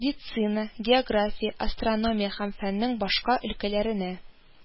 Дицина, география, астрономия һәм фәннең башка өлкәләренә